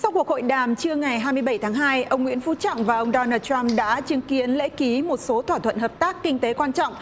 sau cuộc hội đàm trưa ngày hai mươi bảy tháng hai ông nguyễn phú trọng và ông đôn na troăm đã chứng kiến lễ ký một số thỏa thuận hợp tác kinh tế quan trọng